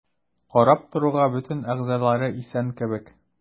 Карап торуга бөтен әгъзалары исән кебек.